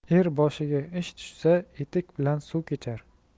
er boshiga ish tushsa etik bilan suv kechar